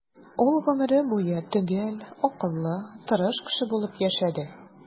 Ул гомере буе төгәл, акыллы, тырыш кеше булып яшәде.